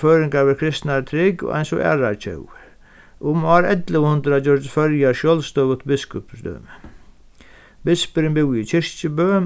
føroyingar við kristnari trúgv eins og aðrar tjóðir um ár ellivu hundrað gjørdist føroyar sjálvstøðugt bispurin búði í kirkjubø